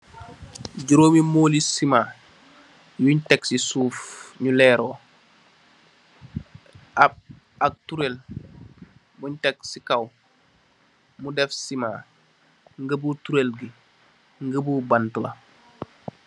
Jurom mi mooli sima yun tek ci suuf ñu leeró ak turel buñ tek ci kaw mu def sima, ngabu turel ni ngabu bant la.